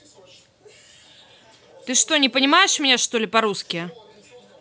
ты что не понимаешь меня что ли по русски